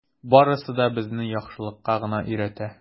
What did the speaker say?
Барысы да безне яхшылыкка гына өйрәтә.